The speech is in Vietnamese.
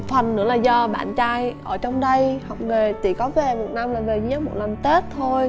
phần nữa là do bạn trai ở trong đây học nghề chỉ có về một năm là về một lần tết thôi